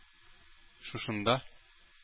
Шушында